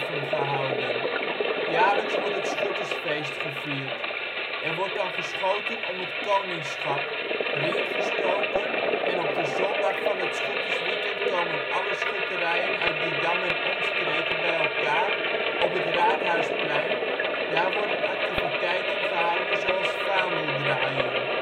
gehouden. Jaarlijks wordt het schuttersfeest gevierd. Er wordt dan geschoten om het koningschap, ringgestoken, en op de zondag van het schuttersweekend komen alle schutterijen uit Didam en omstreken bij elkaar op het raadhuisplein daar worden activiteiten gehouden zoals vaandeldraaien